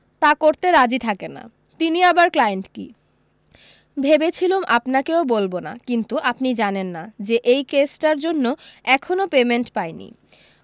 তা করতে রাজি থাকে না তিনি আবার ক্লায়েন্ট কী ভেবেছিলুম আপনাকেও বলবো না কিন্তু আপনি জানেন না যে এই কেসটার জন্য এখনও পেমেণ্ট পাই নি